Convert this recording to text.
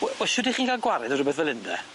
We- wel shwd 'ych chi'n ga'l gwared ar rwbeth fel 'yn de?